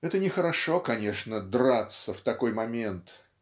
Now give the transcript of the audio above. " Это нехорошо, конечно, - драться в такой момент.